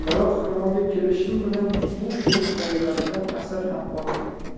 biroq xirmonga kelishim bilan bu shirin xayollarimdan asar ham qolmaydi